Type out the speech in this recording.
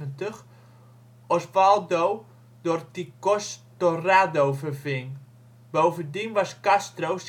1976 Osvaldo Dorticós Torrado verving. Bovendien was Castro